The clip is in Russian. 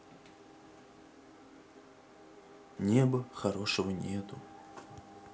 небо хорошего нету